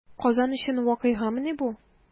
Казан өчен вакыйгамыни бу?